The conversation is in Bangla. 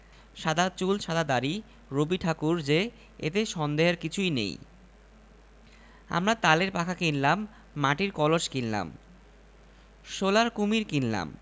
অনেকটা কচ্ছপের মত দেখতে কি যেন বিক্রি হচ্ছে খুব সস্তায় এক টাকা পিস সবাই কিনছে আমিও কিনলাম তারপর কিনলাম দু'খানা রবিঠাকুর এবারের মেলায় রবিঠাকুর খুব সস্তায় বিক্রি হচ্ছে